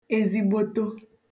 ezigboto